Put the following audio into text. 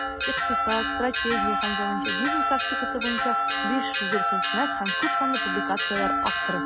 Икътисад, стратегия һәм заманча бизнес тактикасы буенча 5 зур хезмәт һәм күпсанлы публикацияләр авторы.